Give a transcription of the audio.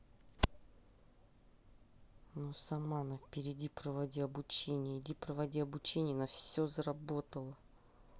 ну сама на впереди проводи обучение иди проводи обучение на все заработало